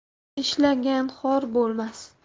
ishlagan xor bo'lmas